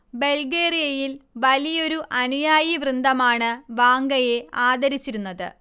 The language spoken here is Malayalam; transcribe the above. ബൾഗേറിയയിൽ വലിയൊരു അനുയായി വൃന്ദമാണ് വാംഗയെ ആദരിച്ചിരുന്നത്